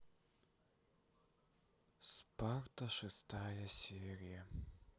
спарта шестая серия